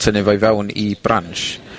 tynnu fo i fewn i Branch,